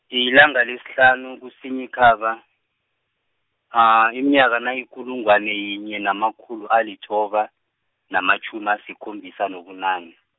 yilanga lesihlanu kuSinyikhaba, iminyaka nayikulungwana yinye, namakhulu alithoba, namatjhumi asikhombisa nobunane.